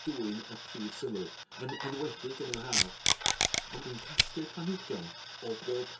dwyn y prif sylw yn enwedig yn yr haf ond dwi'n casglu planhigion o bob